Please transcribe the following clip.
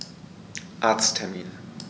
Arzttermin